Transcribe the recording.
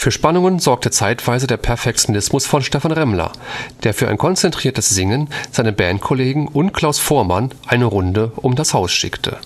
Spannungen sorgte zeitweise der Perfektionismus von Stephan Remmler, der für ein konzentriertes Singen seine Bandkollegen und Klaus Voormann „ eine Runde um das Haus schickte